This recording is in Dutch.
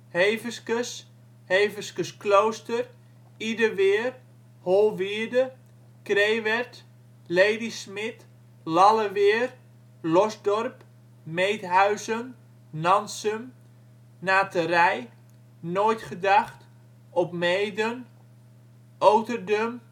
Heveskes, Heveskesklooster, Ideweer, Holwierde, Krewerd, Ladysmith, Lalleweer, Losdorp, Meedhuizen, Nansum, Naterij, Nooitgedacht, Opmeeden, Oterdum